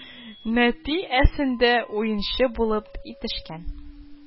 Нәти әсендә уенчы булып итешкән